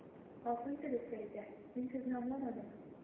Гафу итегез, Фәридә, мин Сезне аңламадым.